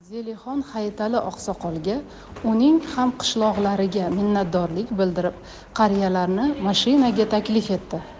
zelixon hayitali oqsoqolga uning hamqishloqlariga minnatdorlik bildirib qariyalarni mashinaga taklif etdi